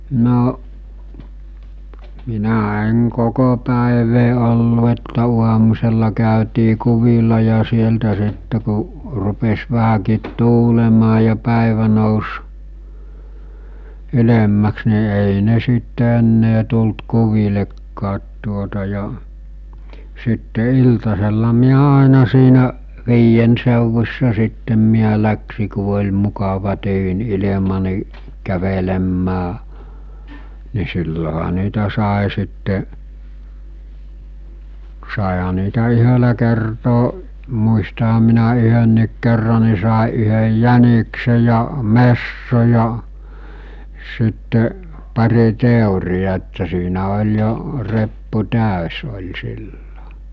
no minä en koko päivää ollut että aamusella käytiin kuvilla ja sieltä sitten kun rupesi vähänkin tuulemaan ja päivä nousi ylemmäksi niin ei ne sitten enää tullut kuvillekaan tuota ja sitten iltasella minä aina siinä viiden seudussa sitten minä lähdin kun oli mukava tyyni ilma niin kävelemään niin silloinhan niitä sai sitten saihan niitä yhdellä kertaa muistanhan minä yhdenkin kerran niin sai yhden jäniksen ja metson ja sitten pari teertä että siinä oli jo reppu täysi oli silloin